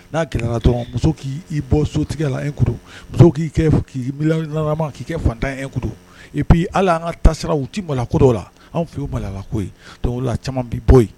N'a gɛlɛla dɔrɔn muso k'i bɔ so tigɛ la e muso k'i k' mima k'i kɛ fatan e i ala an ka tasira u ci bala kodo la anw fɛ balalako la caman bɛ bɔ yen